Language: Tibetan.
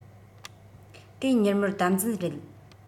དེའི མྱུར མོར དམ འཛིན རེད